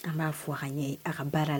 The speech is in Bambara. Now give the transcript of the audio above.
An b'a fo an ɲe a ka baara